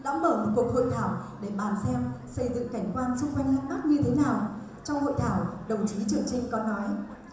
đã mở một cuộc hội thảo để bàn xem xây dựng cảnh quan xung quanh bác như thế nào trong hội thảo đồng chí trường chinh có nói